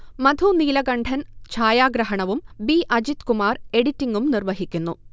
മധു നീലകണ്ഠൻ ഛായാഗ്രഹണവും ബി. അജിത്കുമാർ എഡിറ്റിങും നിർവഹിക്കുന്നു